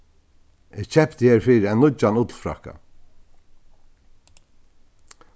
eg keypti herfyri ein nýggjan ullfrakka